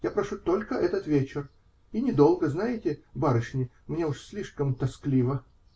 я прошу только этот вечер, и недолго, знаете, барышни, мне уж слишком тоскливо!